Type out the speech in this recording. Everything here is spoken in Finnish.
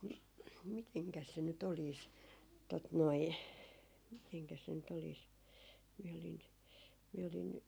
no mitenkäs se nyt olisi tuota noin mitenkäs se nyt olisi minä olin minä olin